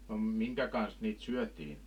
no minkä kanssa niitä syötiin